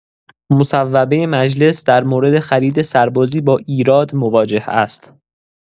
مصوبه مجلس در مورد خرید سربازی با ایراد مواجه است.